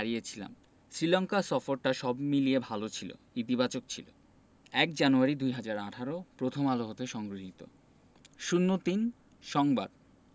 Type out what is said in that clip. আয়ারল্যান্ডে ত্রিদেশীয় সিরিজেও নিউজিল্যান্ডকে হারিয়েছিলাম শ্রীলঙ্কা সফরটা সব মিলিয়ে ভালো ছিল ইতিবাচক ছিল ০১ জানুয়ারি ২০১৮ প্রথম আলো হতে সংগৃহীত